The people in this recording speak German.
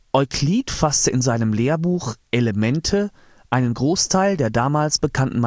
Euklid fasste in seinem Lehrbuch „ Elemente “einen Großteil der damals bekannten Mathematik